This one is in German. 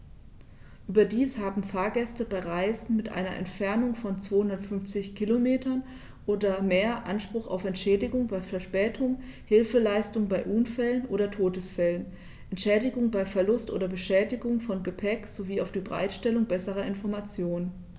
Überdies haben Fahrgäste bei Reisen mit einer Entfernung von 250 km oder mehr Anspruch auf Entschädigung bei Verspätungen, Hilfeleistung bei Unfällen oder Todesfällen, Entschädigung bei Verlust oder Beschädigung von Gepäck, sowie auf die Bereitstellung besserer Informationen.